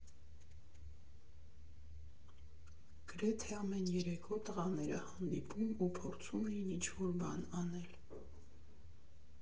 Գրեթե ամեն երեկո տղաները հանդիպում ու փորձում էին ինչ֊որ բան անել։